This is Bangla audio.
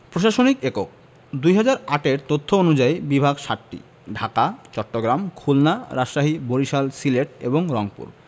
প্রশাসনিক এককঃ ২০০৮ এর তথ্য অনুযায়ী বিভাগ ৭টি ঢাকা চট্টগ্রাম খুলনা রাজশাহী বরিশাল সিলেট এবং রংপুর